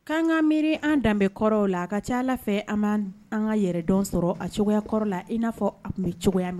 K' an k'an miiri an danbe kɔrɔw la a ka ca Ala fɛ an b'an ka yɛrɛdɔn sɔrɔ a cogoya kɔrɔ la i n'a fɔ a tun bɛ cogoya min